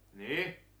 niin